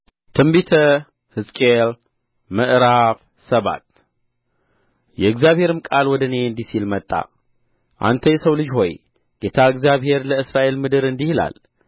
ትንቢተ ሕዝቅኤል ምዕራፍ ሰባት የእግዚአብሔርም ቃል ወደ እኔ እንዲህ ሲል መጣ አንተ የሰው ልጅ ሆይ ጌታ እግዚአብሔር ለእስራኤል ምድር እንዲህ ይላል